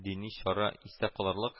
-дини чара истә калырлык